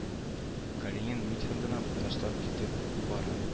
Калинин митингны ташлап китеп бара